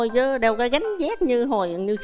chứ đâu có gánh dép như hồi như xưa